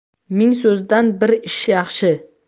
ming so'zdan bir ish yaxshi